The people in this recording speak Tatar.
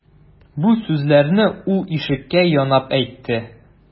Бу сүзләрне ул ишеккә янап әйтте.